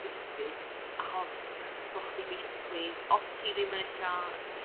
gysgu achos bo' chdi basically os ti ddim yn ella